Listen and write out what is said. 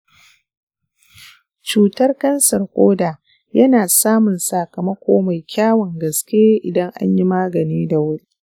cutar kansar ƙoda yana samun sakamako mai kyawun gaske idan anyi magani da wuri.